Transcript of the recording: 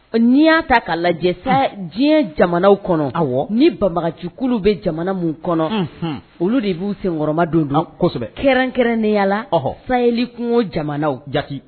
N'i y'a ta ka lajɛ diɲɛ jamanaw kɔnɔ ni bamakɔjugukulu bɛ jamana min kɔnɔ olu de b'u senkɔrɔma don don kosɛbɛ kɛrɛnkɛrɛnnenyala ɔɔ fa yeli kungo jamanaw jate